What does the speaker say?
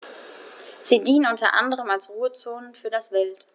Sie dienen unter anderem als Ruhezonen für das Wild.